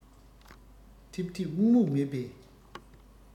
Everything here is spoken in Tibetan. ཐིབ ཐིབ སྨུག སྨུག མེད པའི